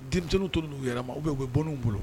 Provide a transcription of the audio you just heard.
Denmisɛnninw toli u yɛrɛ ma, ou bien u bɛ bonne bolo